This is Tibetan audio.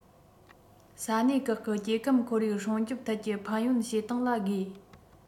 ས གནས ཁག གི སྐྱེ ཁམས ཁོར ཡུག སྲུང སྐྱོང ཐད ཀྱི ཕན ཡོད བྱེད སྟངས ལ དགོས